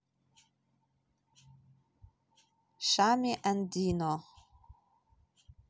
shami andeeno